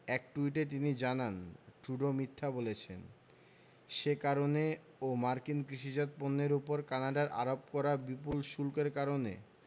এক টুইটে তিনি জানান ট্রুডো মিথ্যা বলেছেন সে কারণে ও মার্কিন কৃষিজাত পণ্যের ওপর কানাডার আরোপ করা বিপুল শুল্কের কারণে